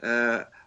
yy